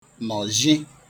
nọ̀zhi